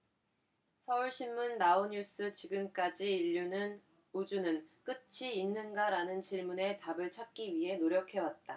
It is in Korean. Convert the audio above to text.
서울신문 나우뉴스 지금까지 인류는우주는 끝이 있는가 라는 질문의 답을 찾기 위해 노력해왔다